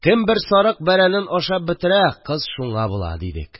Кем бер сарык бәрәнен ашап бетерә, кыз шуңа була дидек